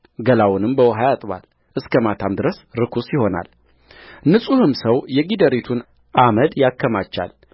ገላውንም በውኃ ይታጠባል እስከ ማታም ድረስ ርኩስ ይሆናልንጹሕም ሰው የጊደሪቱን አመድ ያከማቻል